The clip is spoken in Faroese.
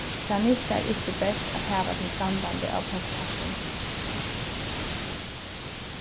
tað nyttar ikki bert at hava tey standandi á postkassum